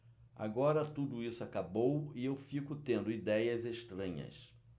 agora tudo isso acabou e eu fico tendo idéias estranhas